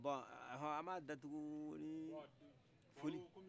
bɔn ɔnhɔn an b'a datugu ni foli